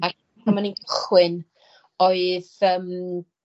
a pan o'n i'n cychwyn oedd yym